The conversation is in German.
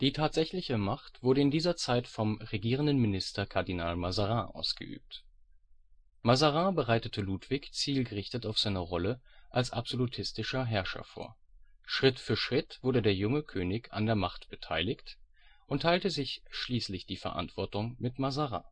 tatsächliche Macht wurde in dieser Zeit vom „ regierenden Minister “Kardinal Mazarin ausgeübt. Mazarin bereitete Ludwig zielgerichtet auf seine Rolle als absolutistischer Herrscher vor; Schritt für Schritt wurde der junge König an der Macht beteiligt und teilte sich schließlich die Verantwortung mit Mazarin